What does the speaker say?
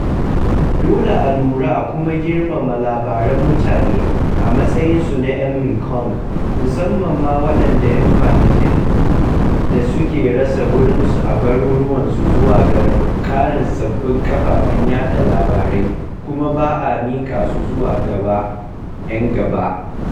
Dole a lura a kuma girmama labaran mutane, a matsayinsu na 'yan Mekong, musamman ma a waɗannan 'yan kwanakin da suke rasa wurinsu a garuruwansu zuwa ga ƙarin sababbin kafafen yaɗa labarai, kuma ba a miƙa su zuwa ga 'yan gaba.